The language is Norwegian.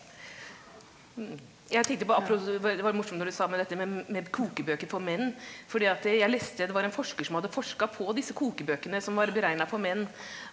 jeg tenkte på det var morsomt når du sa med dette med med kokebøker for menn fordi at jeg leste det var en forsker som hadde forska på disse kokebøkene som var beregna for menn.